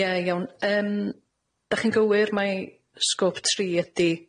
Ie iawn. Yym dach chi'n gywir mai scope tri ydi